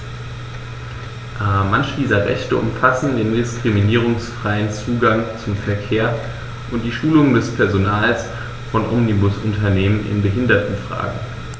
Manche dieser Rechte umfassen den diskriminierungsfreien Zugang zum Verkehr und die Schulung des Personals von Omnibusunternehmen in Behindertenfragen.